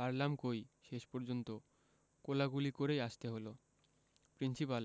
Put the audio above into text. পারলাম কই শেষ পর্যন্ত কোলাকুলি করেই আসতে হলো প্রিন্সিপাল